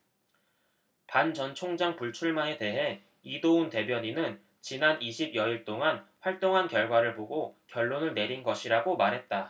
반 전 총장 불출마에 대해 이도운 대변인은 지난 이십 여일 동안 활동한 결과를 보고 결론을 내린 것이라고 말했다